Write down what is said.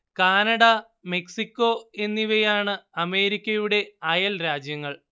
Canada Mexico എന്നിവയാണ് അമേരിക്കയുടെ അയൽ രാജ്യങ്ങൾ